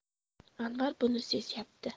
anvar buni sezyapti